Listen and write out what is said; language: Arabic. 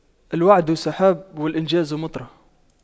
الوعد سحاب والإنجاز مطره